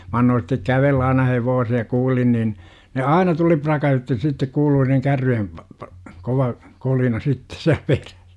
minä annoin sen kävellä aina hevosen ja kuulin niin ne aina tuli pärskäytti sitten kuului niin kärryjen -- kova kolina sitten siellä perässä